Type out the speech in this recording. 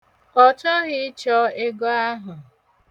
Ọ chọghị ịchọ ego ahụ.